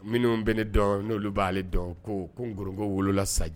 Minnu bɛ ne dɔn nolu bale dɔn . Ko ko Goronko wolola sa